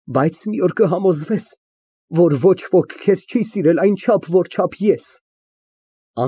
Բայց մի օր կհամոզվես, որ ոչ ոք քեզ չի սիրել այնչափ, որչափ ես։